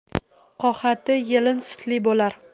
qohati yelin sutli bo'lar